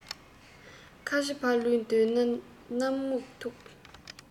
ཁ ཆེ ཕ ལུའི འདོད དང སྣག སྨྱུག ཐུག